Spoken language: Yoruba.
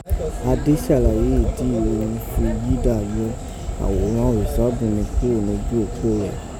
Adé ṣàlàyé ìdí èyí òghun fí yídà yọ àghòrán Orisabunmi kúrò nójú òpó rẹ̀